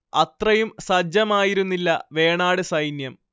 അത്രയും സജ്ജമായിരുന്നില്ല വേണാട് സൈന്യം